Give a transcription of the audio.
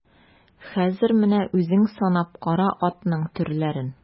Хәзер менә үзең санап кара атның төрләрен.